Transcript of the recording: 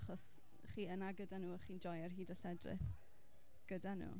Achos chi yna gyda nhw a chi'n joio'r hyd a lledrith gyda nhw.